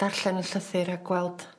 darllen 'yn llythyr a gweld